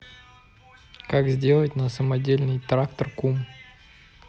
как сделать на самодельный трактор кум